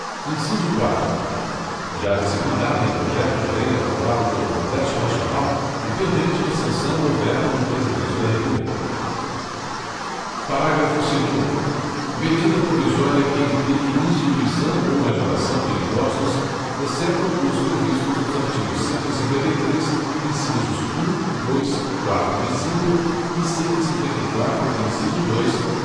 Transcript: inciso quatro já disciplinada em projeto de lei aprovado pelo congresso nacional e pendente de sanção ou veto do presidente da república parágrafo segundo medida provisória que implique instituição ou majoração de impostos exceto os previstos nos artigos cento e cinquenta e três incisos um dois quatro e cinco e cento e cinquenta e quatro inciso dois